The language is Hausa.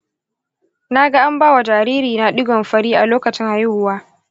na ga an ba wa jaririna ɗigon fari a lokacin haihuwa.